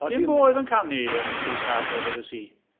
Dim fo oedd yn canu yym two calves over the sea?